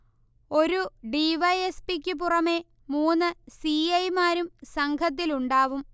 ഒരു D. Y. S. പിക്കു പുറമെ മൂന്ന് സി. ഐ. മാരും സംഘത്തിലുണ്ടാവും